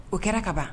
O kɛra kaban